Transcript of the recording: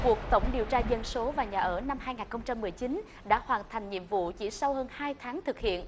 cuộc tổng điều tra dân số và nhà ở năm hai ngàn không trăm mười chín đã hoàn thành nhiệm vụ chỉ sau hơn hai tháng thực hiện